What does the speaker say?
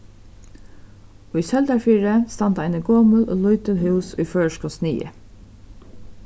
í søldarfirði standa eini gomul og lítil hús í føroyskum sniði